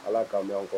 Ala k'an bɛ aw kɔ